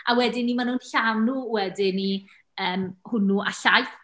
A wedi 'ny maen nhw'n llanw wedi 'ny yym hwnnw â llaeth.